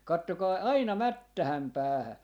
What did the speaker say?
katsokaa aina mättään päähän